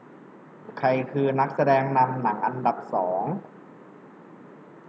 ใครคือนักแสดงนำหนังอันดับสอง